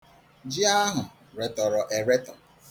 Ji ahụ retọrọ eretọ.